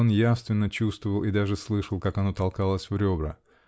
он явственно чувствовал и даже слышал, как оно толкалось в ребра.